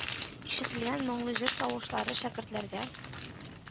Ишетелгән моңлы җыр тавышлары шәкертләргә